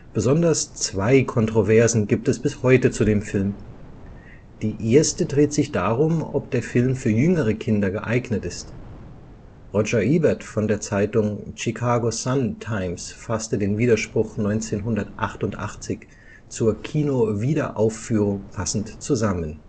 Besonders zwei Kontroversen gibt es bis heute zu dem Film. Die erste dreht sich darum, ob der Film für jüngere Kinder geeignet ist. Roger Ebert von der Zeitung Chicago Sun-Times fasste den Widerspruch 1988 zur Kino-Wiederaufführung passend zusammen